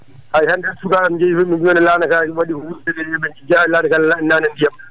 hay hannde nane subaka min jeehi toon min jii lanaka ne wuddere mum jiiya lanaka ne nanna ndiyam